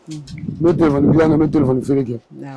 Ne dila ne den seli kɛ